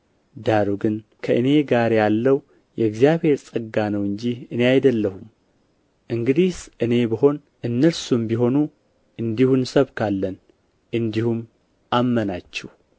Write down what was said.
ዳሩ ግን ከእኔ ጋር ያለው የእግዚአብሔር ጸጋ ነው እንጂ እኔ አይደለሁም እንግዲህስ እኔ ብሆን እነርሱም ቢሆኑ እንዲሁ እንሰብካለን እንዲሁም አመናችሁ